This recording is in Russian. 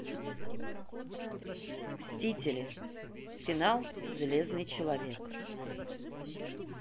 мстители финал железный человек